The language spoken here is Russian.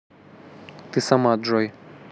ты сама джой